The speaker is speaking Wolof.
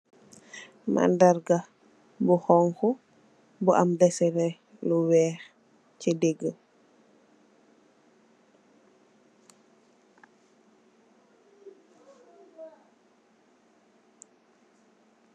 Mandarr gah bu honhu bu am dehsineh lu wekh chi digi.